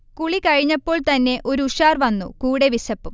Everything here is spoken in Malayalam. കുളി കഴിഞ്ഞപ്പോൾത്തന്നെ ഒരു ഉഷാർ വന്നു കൂടെ വിശപ്പും